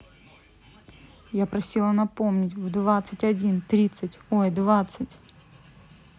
я просила напомнить в двадцать один тридцать ой двадцать